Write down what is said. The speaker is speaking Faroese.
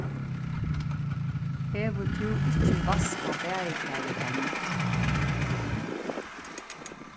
hevur tú ikki vaskað baðikarið enn